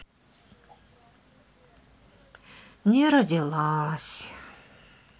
не родилась